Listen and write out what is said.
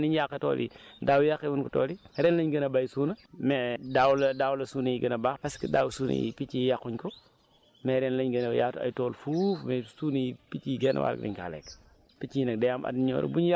parce que ren moom su ñu ñëw ndax ren ni ñu yàqee tool yi daaw yàqeewuñ ko tool yi ren lañ gën a béy suuna mais daaw la daaw la suuna yi gën a baax parce que daaw suuna yi picc yi yàquñ ko mais ren lañ gën a yàq ay tool fuuf mais suuna yi picc yi genn-wàll bi dañ kaa lekk